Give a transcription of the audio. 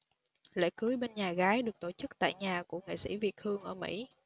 lễ cưới bên nhà gái được tổ chức tại nhà của nghệ sĩ việt hương ở mỹ